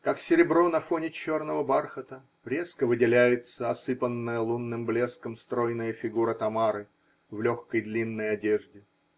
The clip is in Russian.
как серебро на фоне черного бархата, резко выделяется осыпанная лунным блеском стройная фигура Тамары в легкой длинной одежде.